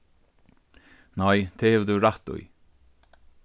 nei tað hevur tú rætt í